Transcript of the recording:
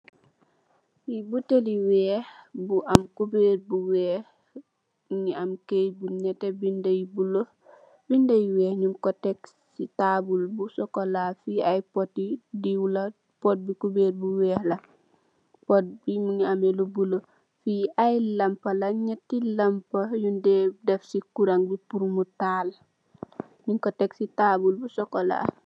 Butèèl li wèèr bu am kuberr bu wèèx mugii am kayit bu netteh bindé yu bula, bindé yu wèèx ñing ko tèk ci tabull bu sokola. Li ay pôtti diw la, pot bi kuberr bu wèèx la, pót bi mugii ameh lu bula, li ay lamp lèèn, ñetti lamp yun dèè dèf ci kurang bi purr mu tahal.